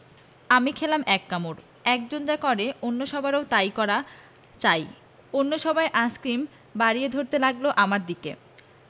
আমি খেলাম এক কামড় একজন যা করে অন্য সবারও তাই করা চাই কাজেই অন্য সবাইও আইসক্রিম বাড়িয়ে ধরতে লাগিল আমার দিকে